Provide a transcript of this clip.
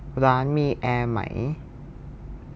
ร้านมีแอร์ไหม